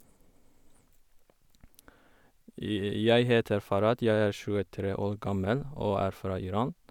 Jeg heter Farad, jeg er tjuetre år gammel og er fra Iran.